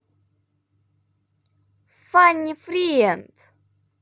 funny friend